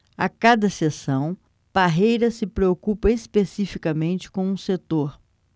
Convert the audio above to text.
a cada sessão parreira se preocupa especificamente com um setor